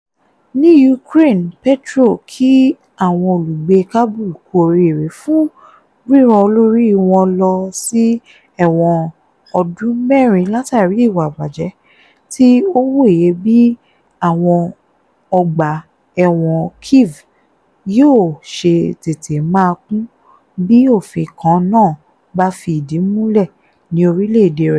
Ní Ukraine, Petro kí àwọn olùgbé Kabul kú oríire fún rírán olórí wọn lọ sí ẹ̀wọ̀n ọdún mẹ́rin látàrí ìwà ìbàjẹ́, tí ó wòye bí àwọn ọgbà ẹ̀wọ̀n Kyiv yóò ṣe tètè máa kún bí òfin kan náà bá fi ìdí múlẹ̀ ní orílẹ̀ èdè rẹ̀.